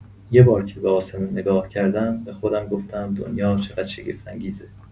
یه بار که به آسمون نگاه کردم، به خودم گفتم دنیا چقدر شگفت‌انگیزه!